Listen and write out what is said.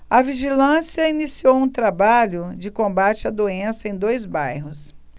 a vigilância iniciou um trabalho de combate à doença em dois bairros